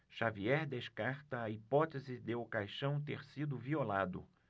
xavier descarta a hipótese de o caixão ter sido violado